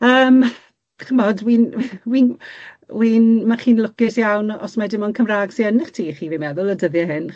Yym ch'mod, wi'n wi'n wi'n ma' chi'n lwcus iawn o- os mae dim on' Cymra'g sy yn 'ych tŷ chi fi'n meddwl, y dyddie hyn.